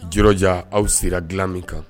Jija aw sera dilan min kan